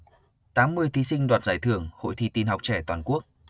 tám mươi thí sinh đoạt giải thưởng hội thi tin học trẻ toàn quốc